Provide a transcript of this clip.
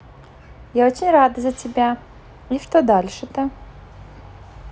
я очень рада за тебя и что дальше то